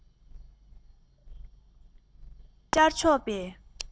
དེ བཞིན ཤར ཕྱོགས པའི